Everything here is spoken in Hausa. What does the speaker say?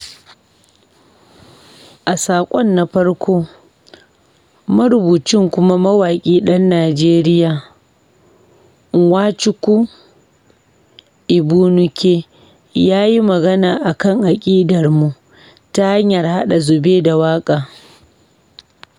A saƙon na farko, marubucin kuma mawaƙi ɗan Nijeriya, Nwachukwu Egbunike ya yi magana a kan akidar mu ta hanyar haɗa zube da waƙa.